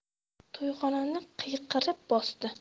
to'yxonani qiyqiriq bosdi